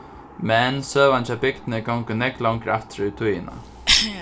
men søgan hjá bygdini gongur nógv longur aftur í tíðina